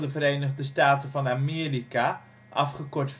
Verenigde Staten van Amerika (afgekort